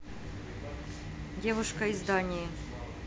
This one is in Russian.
девушка из дании